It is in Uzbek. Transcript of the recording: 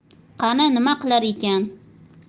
qani nima qilar ekan